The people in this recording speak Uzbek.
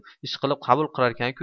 ishqilib qabul qilarkan ku